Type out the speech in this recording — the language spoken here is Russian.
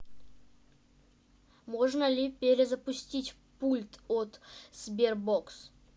можно ли перезапустить пульт от sberbox